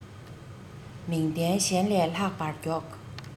མིག ལྡན གཞན ལས ལྷག པར མགྱོགས